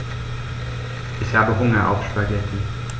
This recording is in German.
Ich habe Hunger auf Spaghetti.